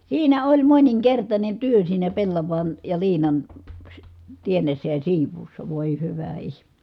siinä oli moninkertainen työ siinä pellavan ja liinan - teennissä ja siivuussa voi hyvä ihme